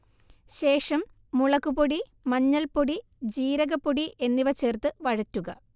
ശേഷം മുളക്പൊടി, മഞ്ഞൾപ്പൊടി, ജീരകപ്പൊടി എന്നിവ ചേർത്ത് വഴറ്റുക